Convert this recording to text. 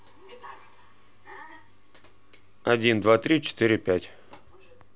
один два три четыре пять